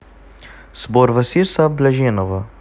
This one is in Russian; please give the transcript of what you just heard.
собор василия блаженного